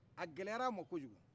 a gɛlɛyara a ma kojugu